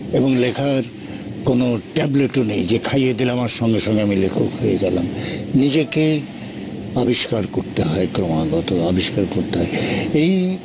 এবং লেখার কোন ট্যাবলেট নেই যে খাইয়ে দিলাম আর সঙ্গে সঙ্গে আমি লেখক হয়ে গেলাম নিজেকে আবিষ্কার করতে হয় ক্রমাগত আবিষ্কার করতে হয় এই